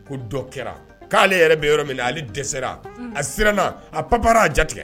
Ko dɔ kɛra k ko'ale yɛrɛ bɛ yɔrɔ min na ale dɛsɛra a siranna a panra a jatetigɛ